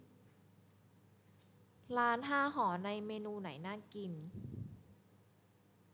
ร้านห้าหอในเมนูไหนน่ากิน